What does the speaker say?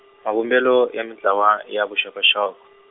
mavumbelo ya mintlawa ya vuxokoxoko.